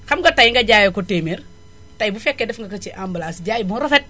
xam nga tay nga jaayee ko téeméer tay bu fekkee def nga ko ci emballage jaay moo rafet